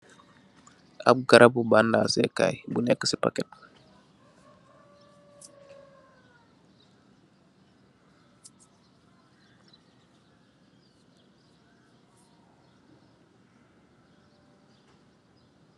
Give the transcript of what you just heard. Ap garabu bandaséé Kai bu nekka ci paket.